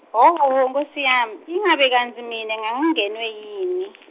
hhohhe nkhosi yami, ingabe kantsi mine ng- ngenwe yini?